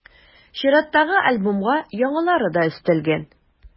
Чираттагы альбомга яңалары да өстәлгән.